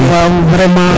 waaw vraiment